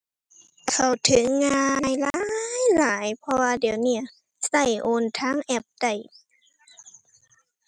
เข้าถึงง่ายหลายหลาย เพราะว่าเดี๋ยวนี้ใช้โอนทางแอปได้